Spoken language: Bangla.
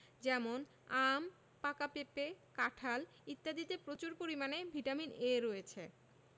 যেমন আম পাকা পেঁপে কাঁঠাল ইত্যাদিতে প্রচুর পরিমানে ভিটামিন A রয়েছে